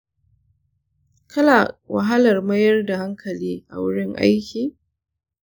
kana wahalar mayyar da hankali a wurin aiki?